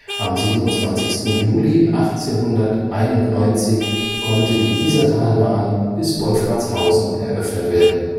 Am 27. Juli 1891 konnte die Isartalbahn bis Wolfratshausen eröffnet werden